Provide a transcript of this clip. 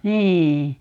niin